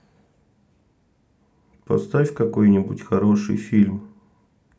поставь какой нибудь хороший фильм